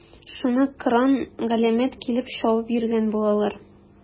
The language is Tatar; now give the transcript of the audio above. Шуны кыран-галәмәт килеп чабып йөргән булалар.